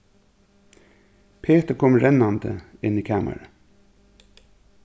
petur kom rennandi inn í kamarið